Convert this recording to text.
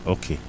ok